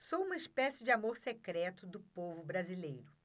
sou uma espécie de amor secreto do povo brasileiro